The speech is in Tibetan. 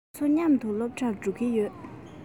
ང ཚོ མཉམ དུ སློབ གྲྭར འགྲོ གི ཡོད